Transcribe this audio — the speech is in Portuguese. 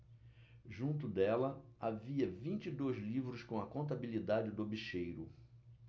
junto dela havia vinte e dois livros com a contabilidade do bicheiro